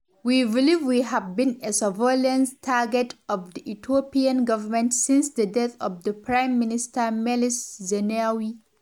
We believe we have been a surveillance target of the Ethiopian government since the death of the Prime Minister Meles Zenawi.